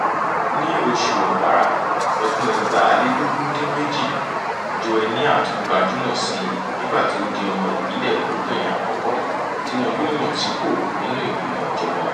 Ní oṣù Ọ̀wàrà ọdún-un 2018, Joenia tún gbajúmọ̀ sí i nígbà tí ó di ọmọ ìbílẹ̀ lóbìnrin àkọ́kọ́ tí wọn yóò yàn sípò nínú ìgbìmọ̀ ìjọba.